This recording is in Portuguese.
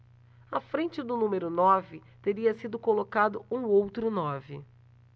à frente do número nove teria sido colocado um outro nove